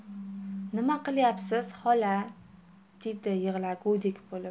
nima qilyapsiz xola dedi yig'lagudek bo'lib